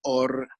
o'r